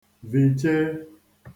vìche